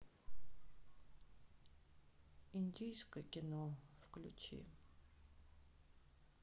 индийское кино включи